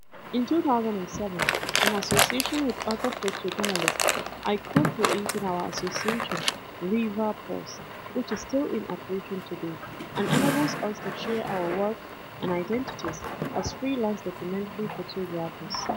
In 2007, in association with other photojournalists, I co-created our association, RIVA PRESS, which is still in operation today and enables us to share our work and identities as freelance documentary photographers.